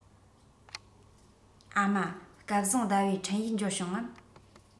ཨ མ སྐལ བཟང ཟླ བའི འཕྲིན ཡིག འབྱོར བྱུང ངམ